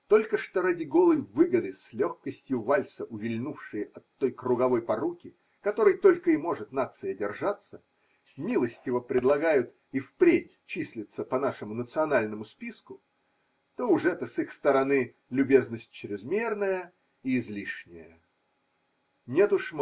только что ради голой выгоды с легкостью вальса увильнувшие от той круговой поруки, которой только и может нация держаться, милостиво предлагают и впредь числиться по нашему национальному списку – то уж это с их стороны любезность чрезмерная и излишняя. Нет уж.